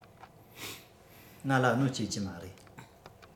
ང ལ གནོད སྐྱེལ གྱི མ རེད